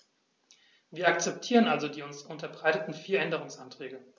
Wir akzeptieren also die uns unterbreiteten vier Änderungsanträge.